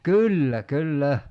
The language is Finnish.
kyllä kyllä